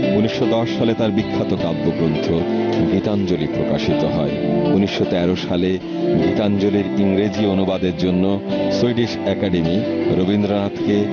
১৯১০ সালে তাঁর বিখ্যাত কাব্যগ্রন্থ গীতাঞ্জলি প্রকাশিত ১৯১৩ সালে গীতাঞ্জলি ইংরেজি অনুবাদের জন্য সুইডিশ অ্যাকাডেমি রবীন্দ্রনাথকে